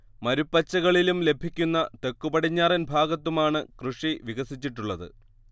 മരുപ്പച്ചകളിലും ലഭിക്കുന്ന തെക്കുപടിഞ്ഞാറൻ ഭാഗത്തുമാണ് കൃഷി വികസിച്ചിട്ടുള്ളത്